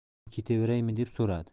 men ketaveraymi deb so'radi